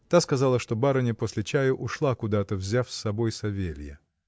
Та сказала, что барыня, после чаю, ушла куда-то, взяв с собой Савелья.